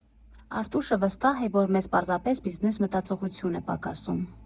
Արտուշը վստահ է, որ մեզ պարզապես բիզնես մտածողություն է պակասում։